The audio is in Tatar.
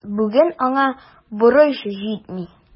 Бүген аңа борыч җитми.